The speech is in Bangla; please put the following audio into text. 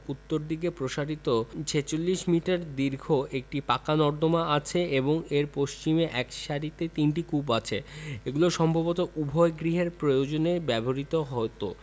উত্তরদিকে প্রসারিত ৪৬ মিটার দীর্ঘ একটি পাকা নর্দমা আছে এবং এর পশ্চিমে এক সারিতে তিনটি কূপ আছে এগুলি সম্ভবত উভয় গৃহের প্রয়োজনে ব্যবহূত হতো